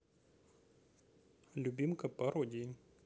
любимка пародии